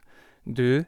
Du.